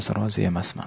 rozi emasman